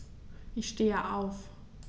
Ich stehe auf.